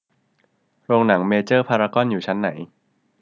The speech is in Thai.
โรงหนังเมเจอร์พารากอนอยู่ชั้นไหน